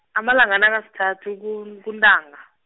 amalanga nakasithathu kuN- kuNtaka.